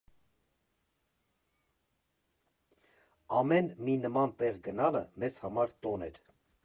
Ամեն մի նման տեղ գնալը մեզ համար տոն էր։